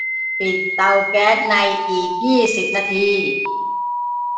ปิดเตาแก๊สในอีกยี่สิบนาที